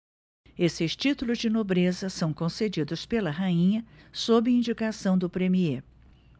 esses títulos de nobreza são concedidos pela rainha sob indicação do premiê